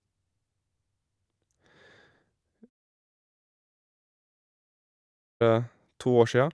to år sia.